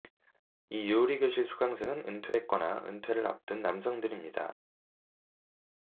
이 요리교실 수강생은 은퇴했거나 은퇴를 앞둔 남성들입니다